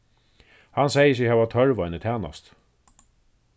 hann segði seg hava tørv á eini tænastu